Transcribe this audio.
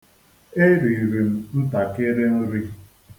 Eriri m ntakịrị nri.